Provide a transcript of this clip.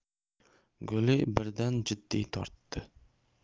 guli birdan jiddiy tortdi